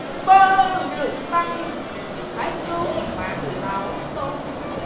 bớ đường tăng hãy cứu mạng lão tôn